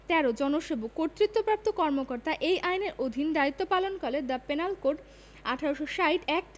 ১৩ জনসেবকঃ কর্তৃত্বপ্রাপ্ত কর্মকর্তা এই আইনের অধীন দায়িত্ব পালনকালে দ্যা পেনাল কোড ১৮৬০ অ্যাক্ট